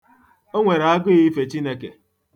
O nwere agụụ ife Chineke.